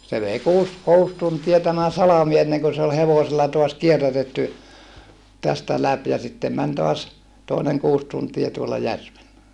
se vei kuusi kuusi tuntia tämä salmi ennen kuin se oli hevosella taas kierrätetty tästä läpi ja sitten meni taas toinen kuusi tuntia tuolla järvellä